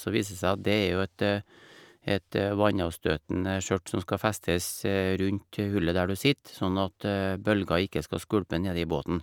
Så viser det seg at det er jo et et vannavstøtende skjørt som skal festes rundt hullet der du sitter sånn at bølger ikke skal skvulpe nedi båten.